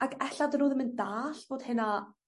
ac ella 'dyn n'w ddim yn dalld bod hynna